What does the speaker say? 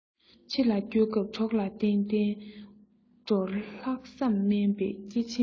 ཕྱི ལ སྐྱོད སྐབས གྲོགས ལ བརྟེན བསྟན འགྲོར ལྷག བསམ སྨན པའི སྐྱེ ཆེན ཡིན